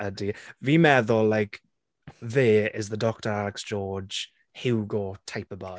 Ydi. Fi'n meddwl like fe is the 'Dr Alex George', 'Hugo' type of boy.